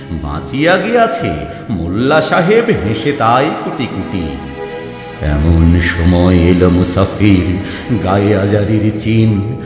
বাঁচিয়া গিয়াছে মোল্লা সাহেব হেসে তাই কুটিকুটি এমন সময় এলো মুসাফির গায়ে আজারির চিন্